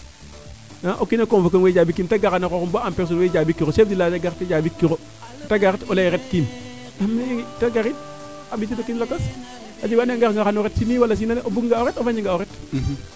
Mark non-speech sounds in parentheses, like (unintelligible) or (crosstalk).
o kiina convoquer ong wee jambikiim te gara na xooxum ba (unintelligible) wee jambikirochef du village a gar we jambikiro te gar o leye ret kiim te gariid a mbisido o kiino lakas a jega wa ando naye xano ret si nii mbaa si naa